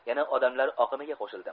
yana odamlar oqimiga qo'shildim